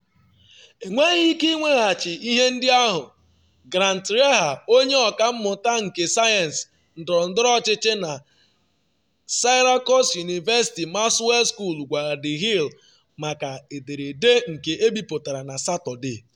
Enweghị ike iweghachi ihe ndị ahụ,” Grant Reeher, onye ọkammụta nke sayensị ndọrọndọrọ ọchịchị na Syracuse University Maxwell School gwara The Hill maka ederede nke ebiputara na Satọde.